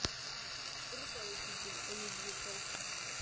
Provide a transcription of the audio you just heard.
крутой учитель онидзука